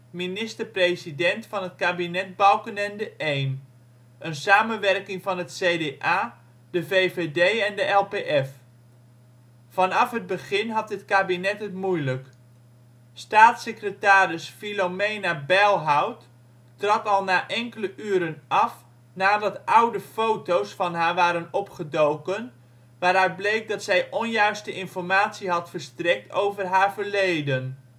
minister-president van het Kabinet-Balkenende I, een samenwerking van het CDA, de VVD en de LPF. Vanaf het begin had dit kabinet het moeilijk. Staatssecretaris Philomena Bijlhout trad al na enkele uren af nadat oude foto 's van haar waren opgedoken waaruit bleek dat zij onjuiste informatie had verstrekt over haar verleden